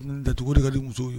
ka di muso ye